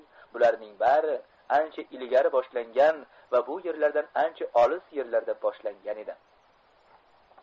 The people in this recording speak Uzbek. bularning bari ancha ilgari boshlangan va bu yerlardan ancha olis yerlarda boshlangan edi